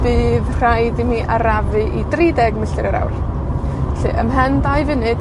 bydd rhaid i mi arafu i dri deg milltir yr awr. 'Lly ymhen dau funud,